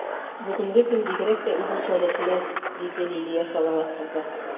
Бүгенге көн бигрәк тә үзенчәлекле, - диде Лилия Салават кызы.